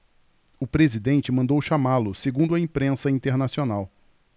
o presidente mandou chamá-lo segundo a imprensa internacional